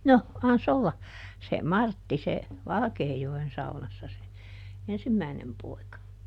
no annas olla se Martti se Valkeajoen saunassa se ensimmäinen poika